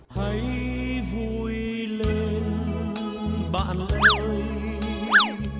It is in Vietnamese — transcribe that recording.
hãy vui lên bạn ơi